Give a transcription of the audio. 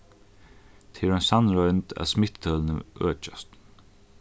tað er ein sannroynd at smittutølini økjast